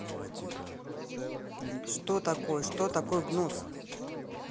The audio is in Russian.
что такое что такое гнус